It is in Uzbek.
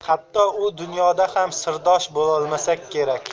hatto u dunyoda ham sirdosh bo'lolmasak kerak